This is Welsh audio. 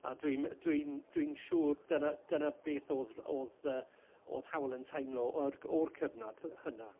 a dwi'n dwi'n dwi'n siŵr dyna dyna beth oedd oedd yy oedd Hywel yn teimlo yr... o'r cyfnod hynna.